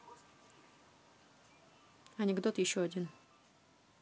анекдот еще один